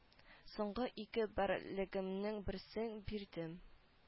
Соңгы ике берлегемнең берсен бирдем